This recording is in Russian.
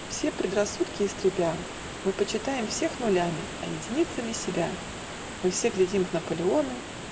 Все предрассудки истребя, Мы почитаем всех нулями, А единицами - себя. Мы все глядим в Наполеоны